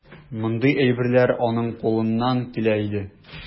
Мондый әйберләр аның кулыннан килә иде.